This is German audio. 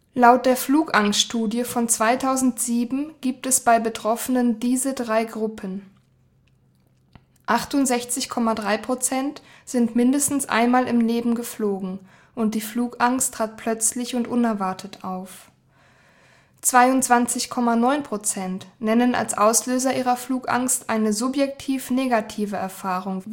Laut der Flugangst-Studie von 2007 gibt es bei Betroffenen diese drei Gruppen: 68,3 % sind mindestens einmal im Leben geflogen, und die Flugangst trat plötzlich und unerwartet auf. 22,9 % nennen als Auslöser ihrer Flugangst eine subjektiv negative Erfahrung